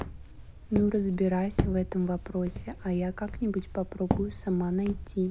ну разбирайся в этом вопросе а я как нибудь попробую сама найти